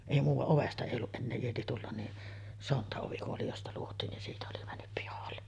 ei - ovesta ei ollut enää ieti tulla niin sontaovi oli josta luotiin niin siitä oli mennyt pihalle